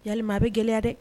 Ya a bɛ gɛlɛya dɛ